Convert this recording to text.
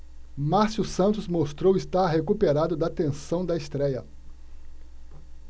márcio santos mostrou estar recuperado da tensão da estréia